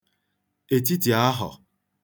ètitì ahọ̀